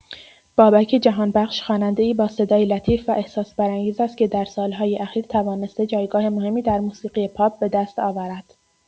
بابک جهانبخش خواننده‌ای با صدای لطیف و احساس‌برانگیز است که در سال‌های اخیر توانسته جایگاه مهمی در موسیقی پاپ به‌دست آورد.